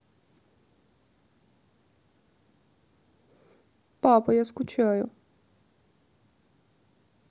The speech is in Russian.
папа я скучаю